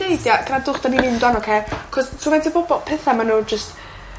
...deud ia grandwch 'dan ni'n ocê 'c'os so faint o bobo- petha ma' n'w jyst